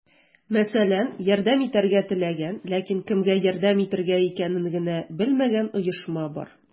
Мәсәлән, ярдәм итәргә теләгән, ләкин кемгә ярдәм итергә икәнен генә белмәгән оешма бар.